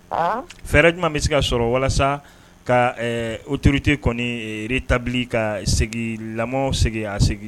An, fɛɛrɛ jumɛn bɛ se ka sɔrɔ walasa ka ɛ autorité kɔni rétabli ka segin lamɔ segin a segin